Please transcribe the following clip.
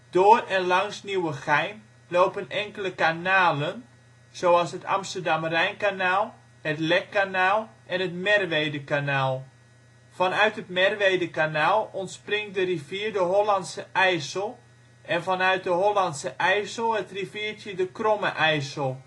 Door en langs Nieuwegein lopen enkele kanalen, zoals het Amsterdam-Rijnkanaal, het Lekkanaal en het Merwedekanaal. Vanuit het Merwedekanaal ontspringt de rivier de Hollandse IJssel en vanuit de Hollandse IJssel het riviertje de Kromme IJssel